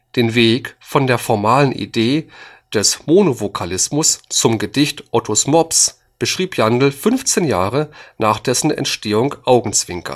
Den Weg von der formalen Idee des Monovokalismus zum Gedicht ottos mops beschrieb Jandl fünfzehn Jahre nach dessen Entstehung augenzwinkernd